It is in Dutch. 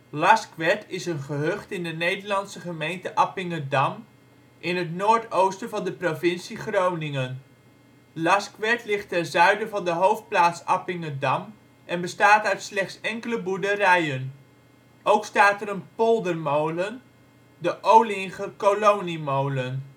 Laskwerd is een gehucht in de Nederlandse gemeente Appingedam, in het noord-oosten van de provincie Groningen. Laskwerd ligt ten zuiden van de hoofdplaats Appingedam en bestaat uit slechts enkele boerderijen. Ook staat er een poldermolen, de Olinger Koloniemolen